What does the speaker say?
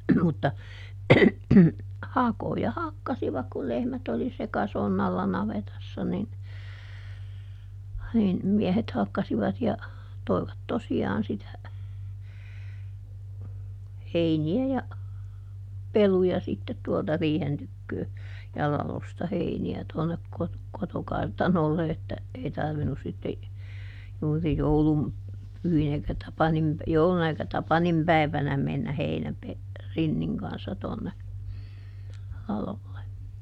mutta hakoja hakkasivat kun lehmät oli sekasonnalla navetassa niin niin miehet hakkasivat ja toivat tosiaan sitä heiniä ja peluja sitten tuolta riihen tykö ja ladosta heiniä tuonne - kotokartanolle että ei tarvinnut sitten juuri joulun pyhinä eikä Tapanin - jouluna eikä Tapanin päivänä mennä - rinnin kanssa tuonne ladolle